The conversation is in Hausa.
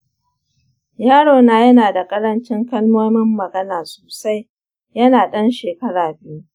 yarona yana da ƙarancin kalmomin magana sosai yana ɗan shekara biyu.